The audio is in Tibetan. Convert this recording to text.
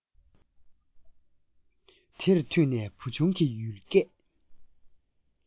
དེར མཐུད ནས བུ ཆུང གིས ཡུལ སྐད